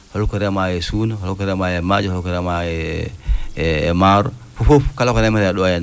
holko remaa e suuna holko remaa e maaje holko remaa e e maaro fofof kala ko remetee ɗo henne